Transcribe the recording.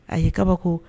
A'i kabako